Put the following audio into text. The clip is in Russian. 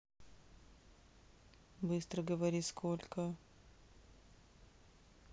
быстро говори сколько